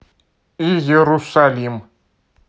иерусалим